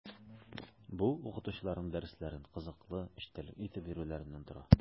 Бу – укытучыларның дәресләрен кызыклы, эчтәлекле итеп бирүеннән тора.